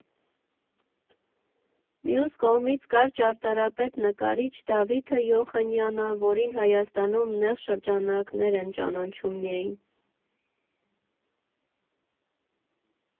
Մյուս կողմից՝ կար ճարտարապետ, նկարիչ Դավիթը Յուխանյանը, որին Հայաստանում նեղ շրջանակներ են ճանաչում միայն։